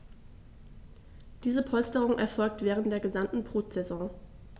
Diese Polsterung erfolgt während der gesamten Brutsaison.